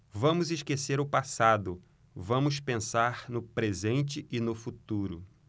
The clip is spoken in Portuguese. vamos esquecer o passado vamos pensar no presente e no futuro